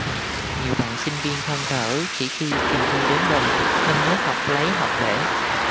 nhiều bạn sinh viên than thở chỉ khi kì thi đến gần mình mới học lấy học để